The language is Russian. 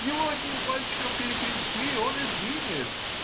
его одним пальчиком перекрести, он и сгинет